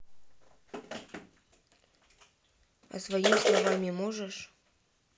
а своими словами можешь